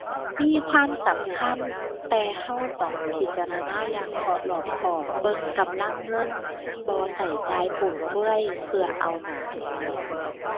มีความสำคัญแต่เราต้องพิจารณาอย่าง เคาะ รอบคอบ เบิ่งกำลังเงิน บ่เราจ่ายฟุ่มเฟือยเพื่อเอาหน้า